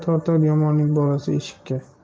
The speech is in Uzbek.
tortar yomonning bolasi eshikka